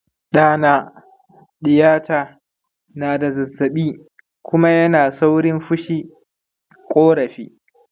ɗana/ɗiyata na da zazzaɓi kuma yana saurin fushi/ƙorafi.